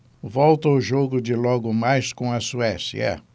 volto ao jogo de logo mais com a suécia